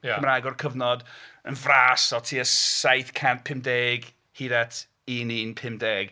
Cymraeg o'r cyfnod yn fras o tua saith cant pump deg hyd at un un pump deg.